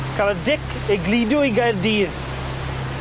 Cafodd Dic ei gludo i Gaerdydd.